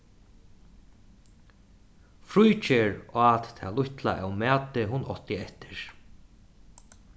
fríðgerð át tað lítla av mati hon átti eftir